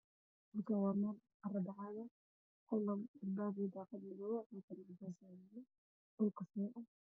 Halkan waa qol dhisaayo waxaa agtaa la caddaana iyo mid kale oo guudooda